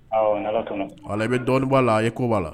Bɛ dɔnniba la a ye koba la